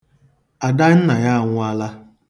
Adannaya anwụọla.